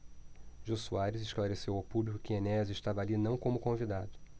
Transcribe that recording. jô soares esclareceu ao público que enéas estava ali não como convidado